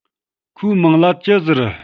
ཁོའི མིང ལ ཅི ཟེར